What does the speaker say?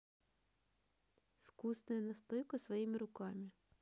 вкусная настойка своими руками